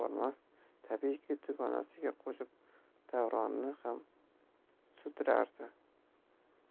bormas tabiiyki dugonasiga qo'shib davronni ham sudrardi